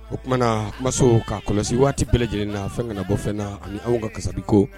O tumanaa kumaso ka kɔlɔsi waati bɛɛ lajɛlen na fɛn kana bɔ fɛn na ani anw ka kasabi ko